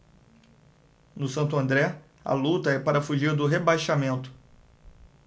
no santo andré a luta é para fugir do rebaixamento